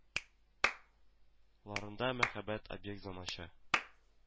Ларында мәһабәт объект заманча